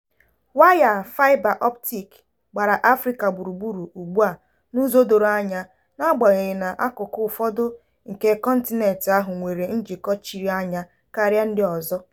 Waya fiber optic gbara Afrịka gburugburu ugbu a n'ụzọ doro anya, n'agbanyeghị na akụkụ ụfọdụ nke kọntinent ahụ nwere njikọ chiri anya karịa ndị ọzọ.